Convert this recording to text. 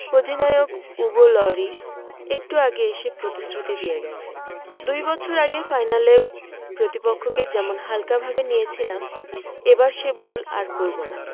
অধিনায়ক Hugo Lloris একটু আগে এসে প্রতিশ্রুতি দিয়ে গেছেন দুই বছর আগে ফাইনালের প্রতিপক্ষকে যেমন হালকাভাবে নিয়েছিলাম এবার সে ভুল আর করব না